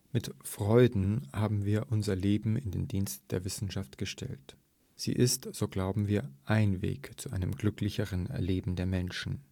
Mit Freuden haben wir unser Leben in den Dienst der Wissenschaft gestellt. Sie ist, so glauben wir, ein Weg zu einem glücklicheren Leben der Menschen